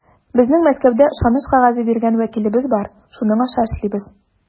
Безнең Мәскәүдә ышаныч кәгазе биргән вәкилебез бар, шуның аша эшлибез.